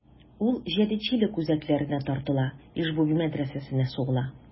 Ул җәдитлек үзәкләренә тартыла: Иж-буби мәдрәсәсенә сугыла.